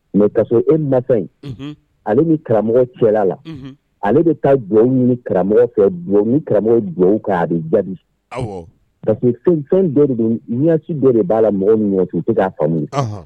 Mɛ ka e ma in ale ni karamɔgɔ cɛla la ale bɛ taa jɔn ɲini karamɔgɔ fɛ ni karamɔgɔ jɔ ka a bɛ jaabi kasi fɛn fɛn dɔ de bɛsi dɔ de b'a la mɔgɔ min i se k'a faamuya